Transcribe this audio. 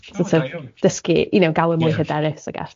...so tibod dysgu you know gal e mwy hyderus I guess.